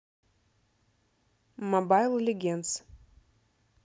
мобайл легендс